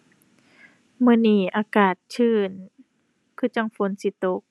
มื้อนี้อากาศชื้น คือจั่งฝนสิตก